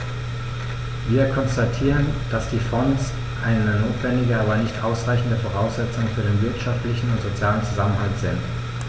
Wir konstatieren, dass die Fonds eine notwendige, aber nicht ausreichende Voraussetzung für den wirtschaftlichen und sozialen Zusammenhalt sind.